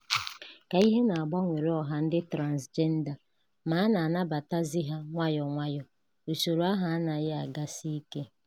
Ka ihe na-agbanwere ọha ndị transịjenda ma a na-anabatazị ha nwayọọ nwayọọ, usoro ahụ anaghị agasị ike.